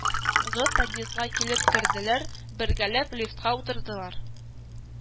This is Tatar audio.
Гы подъездга килеп керделәр, бергәләп лифтка утырдылар